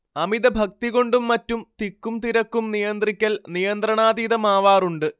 അമിതഭക്തി കൊണ്ടും മറ്റും തിക്കും തിരക്കും നിയന്ത്രിക്കൽ നിയന്ത്രണാതീതമാവാറുണ്ട്